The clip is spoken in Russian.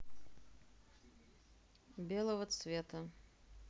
белого цвета